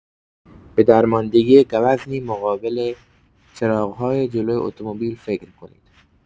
به درماندگی گوزنی مقابل چراغ‌های جلوی اتومبیل فکر کنید.